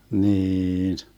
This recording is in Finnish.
niin